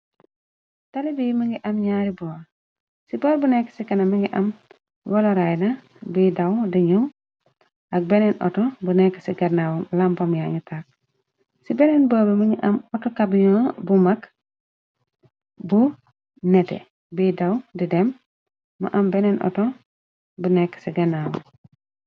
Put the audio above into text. Talibiyi mi ngi am ñaari bool, ci boor bu nekk ci kana mi ngi am waloraay na biy daw diñu, ak beneen outo bu nekk ci gannaawu lampam yangi tàkg, ci beneen boob mi ngi am atocabion bu mag, bu nete biy daw di dem, mu am beneen outo bu nekk ci gannaawu.